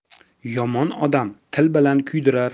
yomon odam til bilan kuydirar